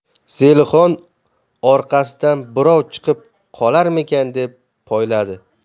zelixon orqasidan birov chiqib qolarmikin deb poyladi